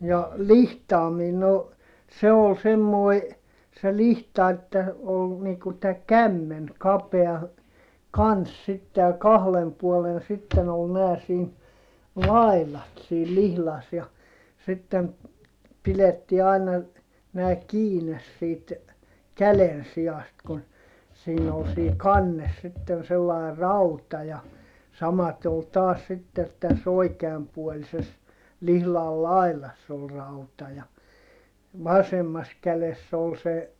ja lihtaaminen no se oli semmoinen se lihta että oli niin kuin tämä kämmen kapea kanssa sitten ja kahden puolen sitten oli nämä siinä laidat siinä lihdassa ja sitten pidettiin aina nämä kiinni siitä kädensijasta kun siinä oli siinä kannessa sitten sellainen rauta ja samaten oli taas sitten tässä oikeanpuolisessa lihdan laidassa oli rauta ja vasemmassa kädessä oli se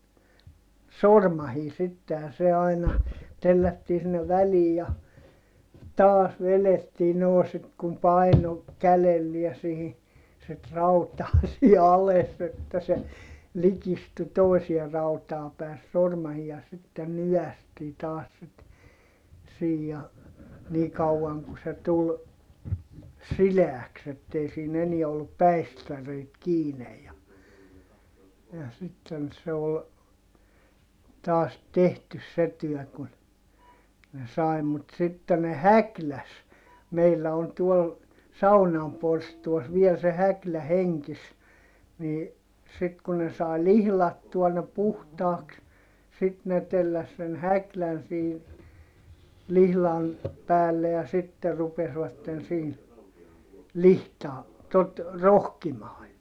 sormainen sitten ja se aina tellättiin sinne väliin ja taas vedettiin no sitten kun painoi kädellä siihen sitten rautaa siinä alas että se likistyi toiseen rautaan päin se sormainen ja sitten nykäistiin taas sitten siinä ja niin kauan kuin se tuli sileäksi että ei siinä enää ollut päistäreitä kiinni ja ja sitten se oli taas tehty se työ kun ne sai mutta sitten ne häkläsi meillä on tuolla saunan porstuassa vielä se häklä hengissä niin sitten kun ne sai lihdattua ne puhtaaksi sitten ne telläsi sen häklän siinä lihdan päälle ja sitten rupesivat siinä - tuota rohkimaan ja